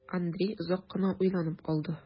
Андрей озак кына уйланып алды.